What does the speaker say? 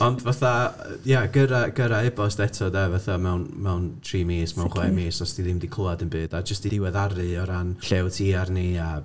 Ond fatha, ia, gyrra gyrra e-bost eto de fatha mewn mewn tri mis, mewn chwe mis os ti ddim 'di clywed dim byd, a jyst i ddiweddaru o ran, lle wyt ti arni a...